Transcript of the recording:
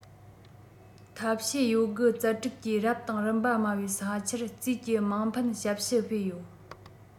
ཐབས ཤེས ཡོད རྒུ རྩལ སྤྲུགས ཀྱིས རབ དང རིམ པ མང བའི ས ཆར བརྩིས ཀྱི དམངས ཕན ཞབས ཞུ སྤེལ ཡོད